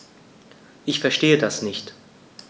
Ich verstehe das nicht.